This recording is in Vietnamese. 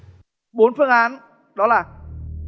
bốn phương án đó là